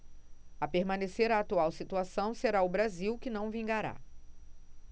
a permanecer a atual situação será o brasil que não vingará